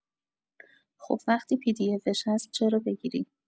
خب وقتی پی دی افش هست چرا بگیری